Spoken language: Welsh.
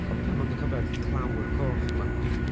Ond dwi... o ...mond yn cofio'r clawr coch 'ma.